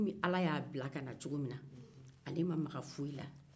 a bɛ komi ala y'a bila ka na cogo min na ale ma maga foyi la